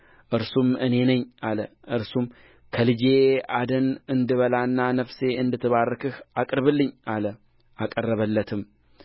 እርሱም እኔ ነኝ አለ እርሱም ከልጄ አደን እንድበላና ነፍሴ እንድትባርክህ አቅርብልኝ አለ አቀረበለትም